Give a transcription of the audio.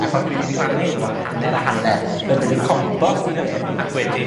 achos dwi 'di plannu nw a hanner a hanner. Ma' 'dy fi compost i fy 'yn, ac wedyn